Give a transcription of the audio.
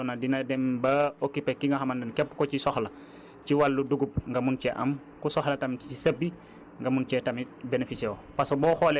nu mu gën a yaatoo nag dina dem ba occupé ki nga xamante ne képp ku ci soxla ci wàllu dugub nga mun ci am ku soxla tamit ci sëb bi nga mun cee tamit bénéficier wu